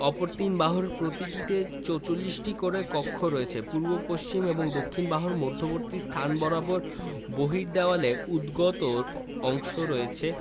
অপর তিন বাহুর প্রতিটিতে ৪৪টি করে কক্ষ রয়েছে পূর্ব পশ্চিম এবং দক্ষিণ বাহুর মধ্যবর্তী স্থান বরাবর বহির্দেওয়ালে উদ্গত অংশ রয়েছে